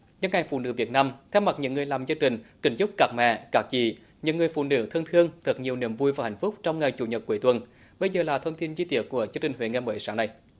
nhân ngày phụ nữ việt nam thay mặt những người làm chương trình kính chúc các mẹ các chị những người phụ nữ thân thương thật nhiều niềm vui và hạnh phúc trong ngày chủ nhật cuối tuần bây giờ là thông tin chi tiết của chương trình huế ngày mới sáng nay